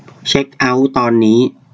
เช็คเอ้าท์ตอนนี้